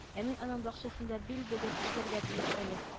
Ә мин аның бакчасында бил бөгеп эшләргә тиеш әле